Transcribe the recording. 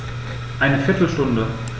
Eine viertel Stunde